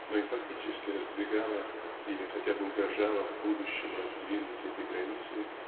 но и фактически раздвигало или хотя бы угрожало в будущем раздвинуть эти границы